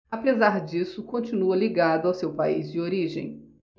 apesar disso continua ligado ao seu país de origem